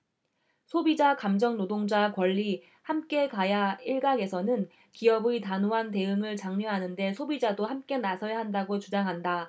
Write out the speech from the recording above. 소비자 감정노동자 권리 함께 가야일각에서는 기업의 단호한 대응을 장려하는데 소비자도 함께 나서야 한다고 주장한다